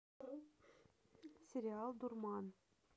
сериал дурман